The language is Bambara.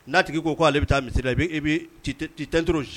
N'a tigi ko' ale i bɛ taa misida i i bɛ tto